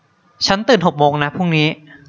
ฉันตื่นหกโมงนะพรุ่งนี้